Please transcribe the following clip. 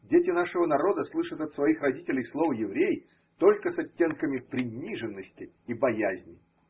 Дети нашего народа слышат от своих родителей слово еврей только с оттенками приниженности и боязни.